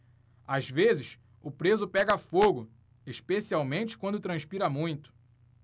às vezes o preso pega fogo especialmente quando transpira muito